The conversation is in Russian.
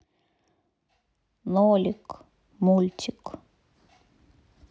нолик мультик